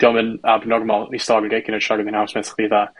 'di o'm yn abnormal rhy dda.